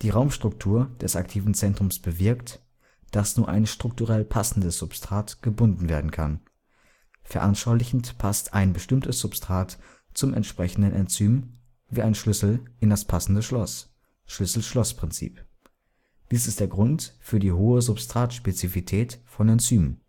Raumstruktur des aktiven Zentrums bewirkt, dass nur ein strukturell passendes Substrat gebunden werden kann. Veranschaulichend passt ein bestimmtes Substrat zum entsprechenden Enzym wie ein Schlüssel in das passende Schloss (Schlüssel-Schloss-Prinzip). Dies ist der Grund für die hohe Substratspezifität von Enzymen